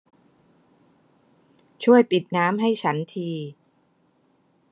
ช่วยปิดน้ำให้ฉันที